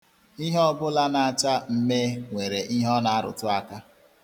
Ihe ọ bụla na-acha mmee nwere ihe ọ na-arụtụ aka.